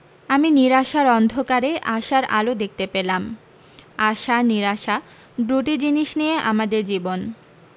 আমি নীরাশার অন্ধকারে আসার আলো দেখতে পেলাম আসা নীরাশা দুটি জিনিস নিয়ে আমাদের জীবন